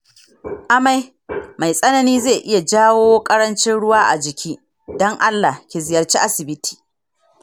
amai mai tsanani zai iya jawo ƙarancin ruwa a jiki; don allah ki ziyarci asibiti.